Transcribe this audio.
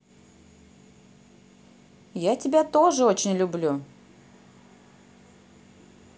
я тебя тоже очень люблю